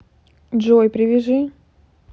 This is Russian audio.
джой привяжи